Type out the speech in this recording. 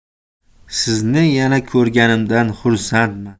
sizni yana ko'rganimdan xursandman